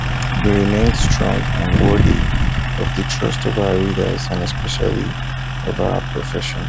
“We remain strong and worthy of the trust of our readers and especially of our profession.